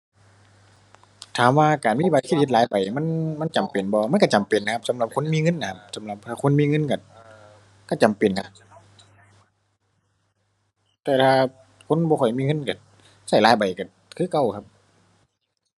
ถามว่าการมีบัตรเครดิตหลายใบนี้ มัน มันจำเป็นบ่ มันก็จำเป็นนะครับ สำหรับคนมีเงินน่ะครับ สำหรับถ้าคนมีเงินก็ ก็จำเป็นนะ แต่ถ้าคนบ่ค่อยมีเงินก็ ก็หลายใบก็คือเก่าครับ